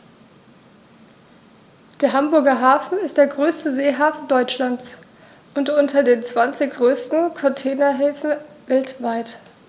Der Hamburger Hafen ist der größte Seehafen Deutschlands und unter den zwanzig größten Containerhäfen weltweit.